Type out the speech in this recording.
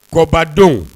Kɔbadon